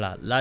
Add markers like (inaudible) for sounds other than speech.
(hesitation) (hesitation)